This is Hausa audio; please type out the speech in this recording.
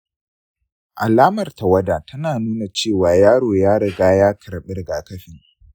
alamar tawadar tana nuna cewa yaron ya riga ya karɓi rigakafin.